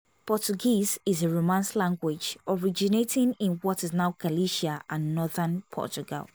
Portuguese is a Romance language originating in what is now Galicia and northern Portugal.